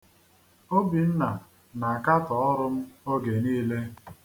Obinna na-akatọ ọrụ m oge niile.